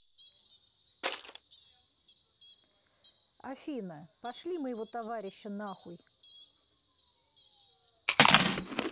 афина пошли моего товарища нахуй